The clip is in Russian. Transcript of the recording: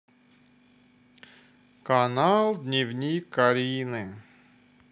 канал дневник карины